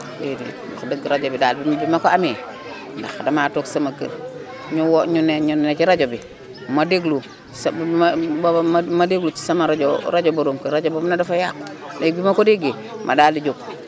déedéet wax dëgg rajo bi daal bi ma ko amee ndax dama toog sama kër ñu woo ñu ne ñu ne ci rajo bi ma déglu sama booba ma déglu ci sama rajo rajo borom kër rajo boobu nag dafa yaqu léegi bi ma ko déggee ma daal di jóg